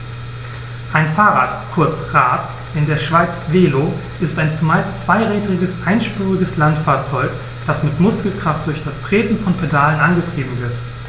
Ein Fahrrad, kurz Rad, in der Schweiz Velo, ist ein zumeist zweirädriges einspuriges Landfahrzeug, das mit Muskelkraft durch das Treten von Pedalen angetrieben wird.